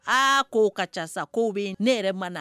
Aa k ko ka ca sa ko bɛ ne yɛrɛ ma na